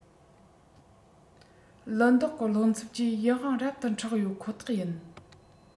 ལི མདོག གི རླུང འཚུབ ཀྱིས ཡིད དབང རབ ཏུ འཕྲོག ཡོད ཁོ ཐག ཡིན